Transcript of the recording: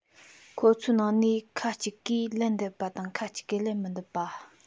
ཁོ ཚོའི ནང ནས ཁ ཅིག གིས ལན འདེབས པ དང ཁ ཅིག གིས ལན མི འདེབས པ